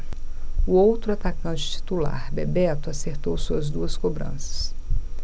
o outro atacante titular bebeto acertou suas duas cobranças